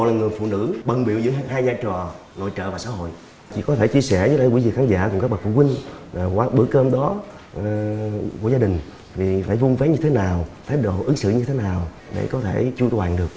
là người phụ nữ bận bịu với hai vai trò nội trợ và xã hội chị có thể chia sẻ những với lại quý dị khán giả cùng các bậc phụ huynh qua bữa cơm đó ờ của gia đình vì phải vung vén như thế nào thái độ ứng xử như thế nào để có thể chu toàn được